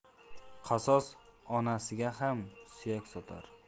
qassob onasiga ham suyak sotar